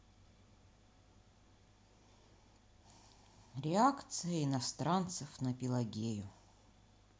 реакция иностранцев на пелагею